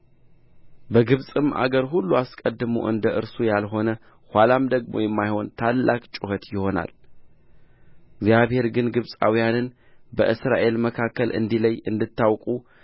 በግብፅም አገር ሁሉ አስቀድሞ እንደ እርሱ ያልሆነ ኋላም ደግሞ የማይሆን ታላቅ ጩኸት ይሆናል እግዚአብሔር ግን በግብፃውያንና በእስራኤል መካከል እንዲለይ እንድታውቁ